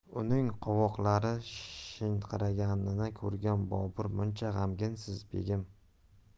uning qovoqlari shishinqiraganini ko'rgan bobur muncha g'amginsiz begim